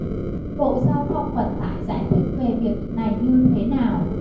bộ giao thông vận tải giải thích về việc này như thế nào